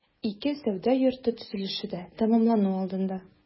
Ике сәүдә йорты төзелеше дә тәмамлану алдында.